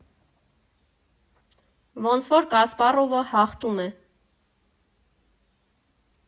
Ոնց որ Կասպարովը հաղթում է։